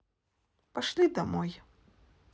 пошли домой